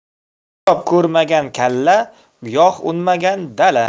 kitob ko'rmagan kalla giyoh unmagan dala